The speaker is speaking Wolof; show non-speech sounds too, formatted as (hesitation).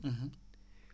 (hesitation) (hesitation)